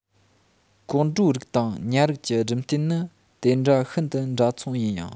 གོག འགྲོའི རིགས དང ཉ རིགས ཀྱི སྦྲུམ རྟེན ནི དེ འདྲ ཤིན ཏུ འདྲ མཚུངས ཡིན ཡང